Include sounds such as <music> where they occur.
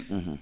<hesitation> <hesitation>